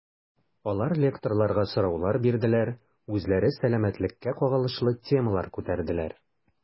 Алар лекторларга сораулар бирделәр, үзләре сәламәтлеккә кагылышлы темалар күтәрделәр.